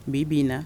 Bi bi in na.